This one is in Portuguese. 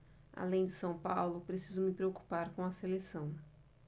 além do são paulo preciso me preocupar com a seleção